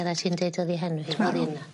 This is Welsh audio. ...oddat ti'n deud o'dd 'i henw hi. 'Di marw.